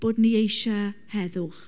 bod ni eisiau heddwch.